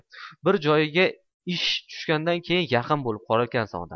bir joyga ish tushgandan keyin yaqin bo'lib qolarkansan odam